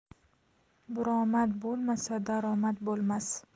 buromad bo'lmasa daromad bo'lmas